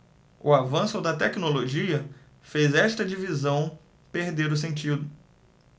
o avanço da tecnologia fez esta divisão perder o sentido